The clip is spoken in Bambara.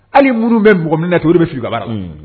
Hali muru bɛ bug min na to bɛ fili faga bara